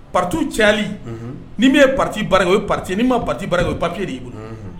Parti cayali. Unhun. Ni min ye parti baara kɛ o ye parti ye. Ni min ma parti baara kɛ o ye papier de y'i bolo. Unhun.